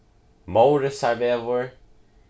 móritsarvegur